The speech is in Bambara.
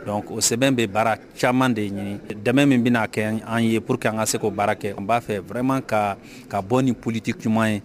Donc o sɛbɛn bɛ baara caman de ɲini dɛmɛ min bɛna k'an ye pour que an ka se k'o baara kɛ n b'a fɛ vraiment ka ka bɔ ni politique ɲuman ye